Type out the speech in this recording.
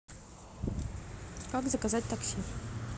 как заказать такси